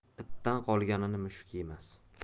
itdan qolganini mushuk yemas